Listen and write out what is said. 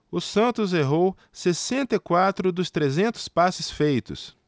o santos errou sessenta e quatro dos trezentos passes feitos